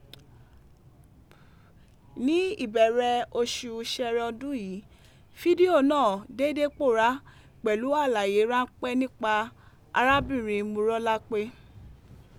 Ní ìbẹ̀rẹ̀ oṣù Ṣẹẹrẹ ọdún yìí, fídíò náà dédé pòórá pẹ̀lú àlàyé ránpẹ́ nípa arábìnrin Mọrọ́lápé.